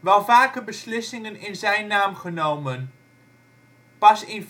wel vaker beslissingen in zijn naam genomen (pas in